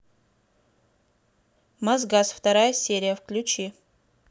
мосгаз вторая серия включи